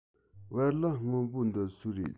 བལ ལྭ སྔོན པོ འདི སུའི རེད